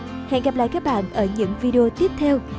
hẹn gặp lại các bạn ở những video tiếp theo